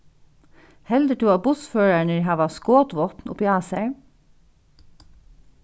heldur tú at bussførararnir hava skotvápn uppi á sær